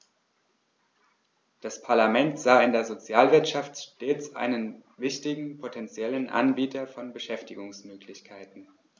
Das Parlament sah in der Sozialwirtschaft stets einen wichtigen potentiellen Anbieter von Beschäftigungsmöglichkeiten.